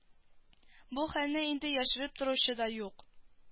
Бу хәлне инде яшереп торучы да юк